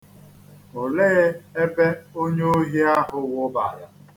Olee ebe onye ohi ahụ wụbara?